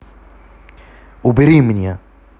убери меня